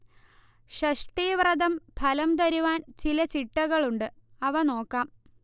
ഷഷ്ഠീവ്രതം ഫലം തരുവാൻ ചില ചിട്ടകളുണ്ട് അവ നോക്കാം